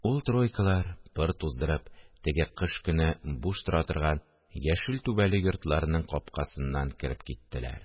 Ул тройкалар, пыр туздырып, теге кыш көне буш тора торган яшел түбәле йортларның капкасыннан кереп киттеләр